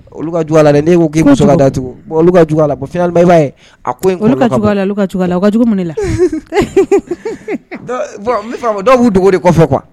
Olu ka jugu a la dɛ n'e ko k'i muso ka datugu, bon olu ka jugu a la finalement i b'a ye a ko in kɔlɔlɔ ka bon, olu ka jugu a la olu ka jugu a la o ka jugu mun de la? d donc, bon n bɛ fɛ k'a fɔ dɔw b'u dogo de kɔ kɔfɛ quoi